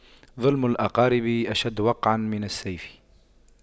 ظلم الأقارب أشد وقعا من السيف